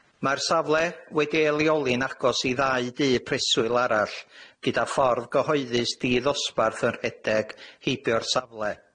Mae'r safle wedi ei leoli'n agos i ddau dŷ preswyl arall, gyda ffordd gyhoeddus ddi-ddosbarth yn rhedeg heibio'r safle.